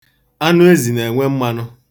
Anụ ezi na-ewe mmanụ.